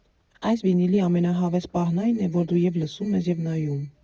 Այս վինիլի ամենահավես պահն այն է, որ դու և՛ լսում ես, և՛ նայում.